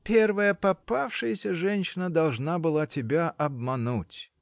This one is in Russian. первая попавшаяся женщина должна была тебя обмануть.